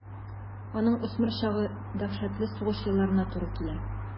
Аның үсмер чагы дәһшәтле сугыш елларына туры килә.